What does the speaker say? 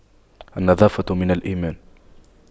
النظافة من الإيمان